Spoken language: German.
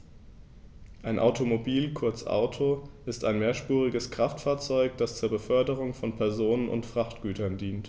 Ein Automobil, kurz Auto, ist ein mehrspuriges Kraftfahrzeug, das zur Beförderung von Personen und Frachtgütern dient.